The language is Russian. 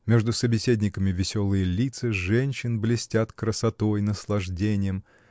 Между собеседниками веселые лица женщин блестят красотой, наслаждением.